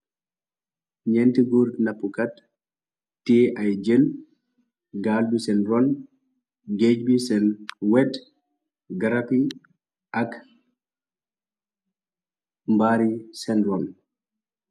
ñenti góur napukat tée ay jël gaal bi seen ron géej bi seen wet garaky ak mbaari seen ron